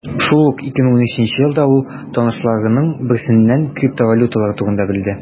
Шул ук 2013 елда ул танышларының берсеннән криптовалюталар турында белде.